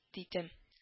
— дидем